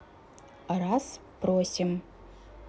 раз просим